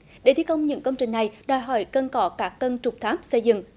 để thi công những công trình này đòi hỏi cần có các cần trục tháp xây dựng